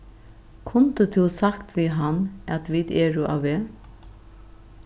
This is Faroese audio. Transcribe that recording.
kundi tú sagt við hann at vit eru á veg